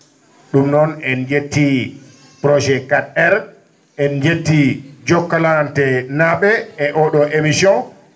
?um noon en jetti projet quatre aires en jetti Jokalante naa?e e o?o émission